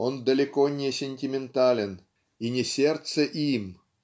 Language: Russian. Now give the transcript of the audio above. он далеко не сентиментален и не сердце им